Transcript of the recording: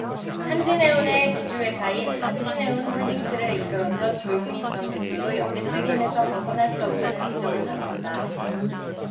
한진해운의 지주회사인 한진해운홀딩스를 이끌었던 조용민 전 대표도 연대 책임에서 벗어날 수 없다는 지적을 받는다